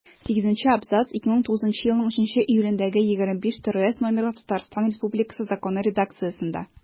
Сигезенче абзац 2009 елның 3 июлендәге 25-ТРЗ номерлы Татарстан Республикасы Законы редакциясендә.